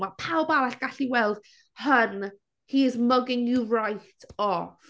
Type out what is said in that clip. Mae pawb arall gallu weld hun he is mugging you right off.